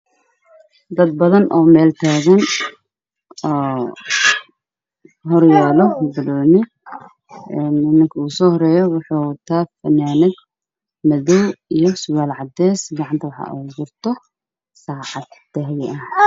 Halkaan waxaa ka muuqdo rag iyo dumar labada nin ugu horayso gacanta ay saareen xabadaka midabka dharka ay qabaan shaato buluug ah midka kalena shaati buluug iyo fanaanad cagaar xigeen ah miiska waxaa saaran fanaanado guduudan iyo banooni